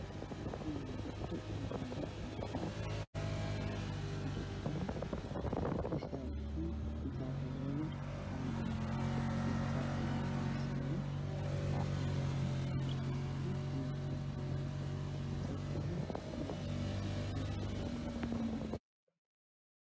Waa gabdho baranaayo caafimaad waxay wataan xijaabo yaryar oo cadaan ah iyo xijaabo kale oo kahooseyo waa cagaar, buluug iyo xijaab yar oo cad.